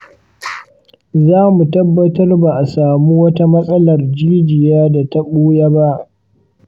zamu tabbatar ba a samu wata matsalar jijiya data buya ba.